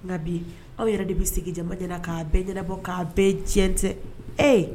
Nka bi aw yɛrɛ de bɛ sigi jama ɲɛna k''a bɛɛ ɲɛnabɔ k'a bɛɛ tiɲɛn tiɲɛn, ee!